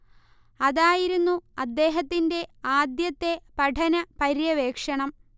അതായിരുന്നു അദ്ദേഹത്തിന്റെ ആദ്യത്തെ പഠന പര്യവേക്ഷണം